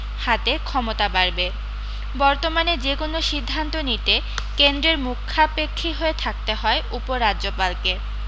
হাতে ক্ষমতা বাড়বে বর্তমানে যে কোনও সিদ্ধান্ত নিতে কেন্দ্রের মুখাপেক্ষী হয়ে থাকতে হয় উপ রাজ্যপালকে